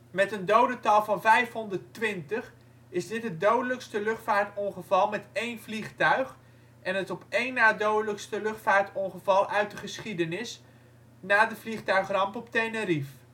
Met een dodental van 520 is dit het dodelijkste luchtvaartongeval met één vliegtuig en het op één na dodelijkste luchtvaartongeval uit de geschiedenis, na de vliegtuigramp op Tenerife